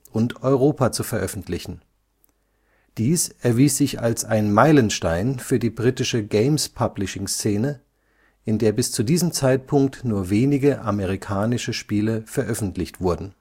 und Europa zu veröffentlichen. Dies erwies sich als ein Meilenstein für die britische Games-Publishing Szene, in der bis zu diesem Zeitpunkt nur wenige amerikanische Spiele veröffentlicht wurden